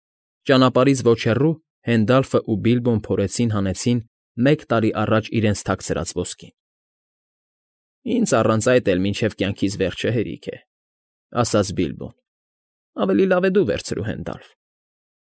Ճանապարհից ոչ հեռու Հենդալֆն ու Բիլբոն փորեցին հանեցին մեկ տարի առաջ իրենց թաքցրած ոսկին։ ֊ Ինձ առանց այդ էլ մինչև կյանքիս վերջը հերիք է,֊ ասաց Բիլբոն։֊ Ավելի լավ է դու վերցրու, Հենդալֆ։